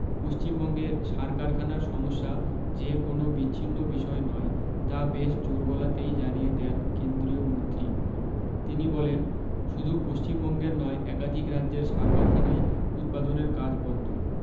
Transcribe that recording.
পশ্চিমবঙ্গে সার কারখানার সমস্যা যে কোনও বিচ্ছিন্ন বিষয় নয় তা বেশ জোর গলাতেই জানিয়ে দেন কেন্দ্রীয় মন্ত্রী তিনি বলেন শুধু পশ্চিমবঙ্গের নয় একাধিক রাজ্যের সার কারখানায় উৎপাদনের কাজ বন্ধ